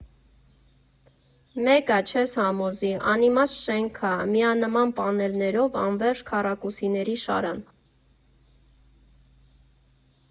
Մեկ ա, չես համոզի, անիմաստ շենք ա, միանման պանելներով, անվերջ քառակուսիների շարան…